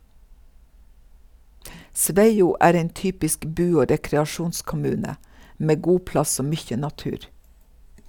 Sveio er ein typisk bu- og rekreasjonskommune med god plass og mykje natur.